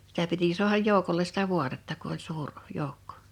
sitä piti saada joukolle sitä vaatetta kun oli suuri joukko